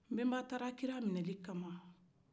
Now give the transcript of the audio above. nbenba taara kira minɛli kama